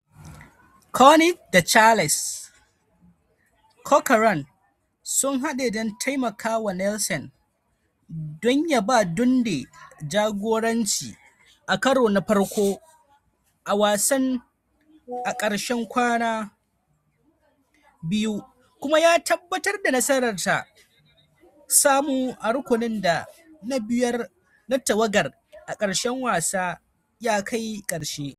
Cownie da Charles Corcoran sun hade don taimakama Nielsen don ya ba Dundee jagoraci a karo na farko a wasan a karshen wasa biyu kuma ya tabbatar da nasarar da ta samu a rukuni na biyar na tawagar a karshen wasa yakai karshe.